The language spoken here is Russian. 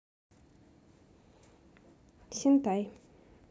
синтай